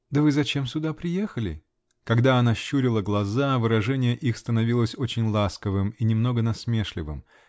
-- Да вы зачем сюда приехали?(Когда она щурила глаза, выражение их становилось очень ласковым и немного насмешливым